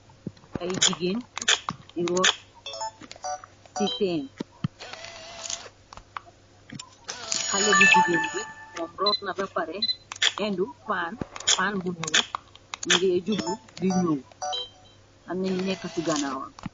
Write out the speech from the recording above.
Ay jigéen di root citen xale bu jigéen bi moom rootna be pare innu pàan bu ñyul ngée jublu ci ñuuw amnañi nekk ci ganaawam.